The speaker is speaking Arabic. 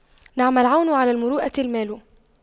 نعم العون على المروءة المال